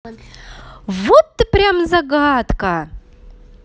вот ты прям загадка